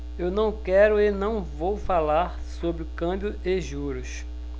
eu não quero e não vou falar sobre câmbio e juros